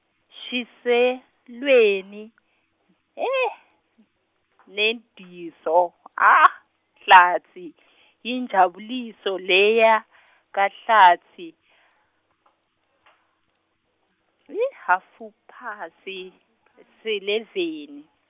Shiselweni, n- Nediso, Hlatsi , yinjabuliso leya , kaHlatsi , hhafuphasi se leveni.